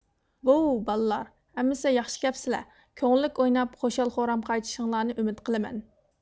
ۋوۋ بالىلار ئەمىسە ياخشى كەپسىلە كۆڭۈللۈك ئويناپ خۇشال خورام قايتىشىڭلارنى ئۈمىد قىلىمەن